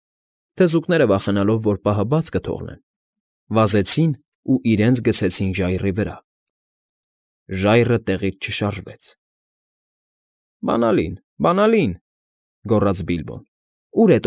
Թզուկները, վախենալվ, որ պահը բաց կթողնեն, վազեցին ու իրենց գցեցին ժայռի վրա, ժայռը տեղից չշարժվեց։ ֊ Բանալին, բանալին,֊ գոռաց Բիլբոն։֊ Ո՞ւր է։